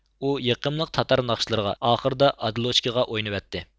ئۇ يېقىملىق تاتار ناخشىلىرىغا ئاخىرىدا ئادىلوچكىغا ئوينىتىۋەتتى